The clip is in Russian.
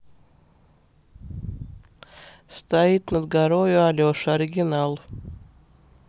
стоит над горою алеша оригинал